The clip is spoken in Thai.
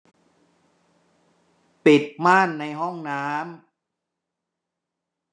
ปิดม่านในห้องน้ำ